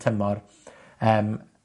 tymor. Yym.